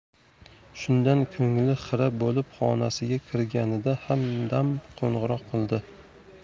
shundan ko'ngli xira bo'lib xonasiga kirganida hamdam qo'ng'iroq qildi